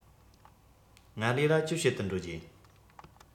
མངའ རིས ལ ཅི བྱེད དུ འགྲོ རྒྱུ ཡིན